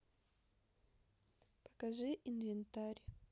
покажи инвентарь